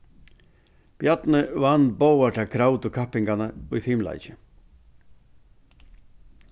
bjarni vann báðar tær kravdu kappingarnar í fimleiki